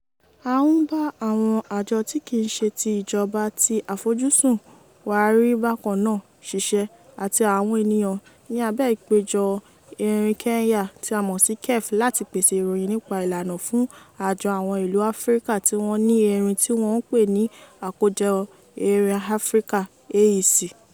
A ti ń bá àwọn àjọ tí kìí ṣe ti ìjọba tí àfojúsùn wa rí bákan náà ṣiṣẹ́ àti àwọn ènìyàn ní abẹ́ ìpéjọ erin Kenya(KEF) láti pèsè ìròyìn nípa ìlànà fún àjọ àwọn ìlú Áfríkà tí wọ́n ní erin tí wọ́n ń pè ní àkójọ erin Áfríkà (AEC).